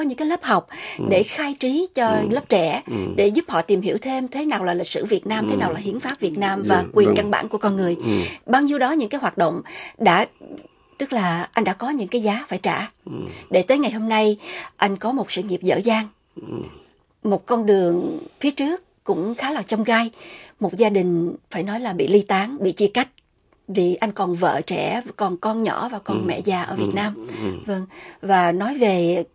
như các lớp học để khai trí cho lớp trẻ để giúp họ tìm hiểu thêm thế nào là lịch sử việt nam thế nào là hiến pháp việt nam và quyền căn bản của con người bao nhiêu đó nhưng các hoạt động đã tức là anh đã có những cái giá phải trả để tới ngày hôm nay anh có một sự nghiệp dở dang một con đường phía trước cũng khá là chông gai một gia đình phải nói là bị ly tán bị chia cắt vì anh còn vợ trẻ còn con nhỏ và còn mẹ già ở việt nam vâng và nói về